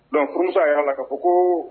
Don kosa yala la ka ko ko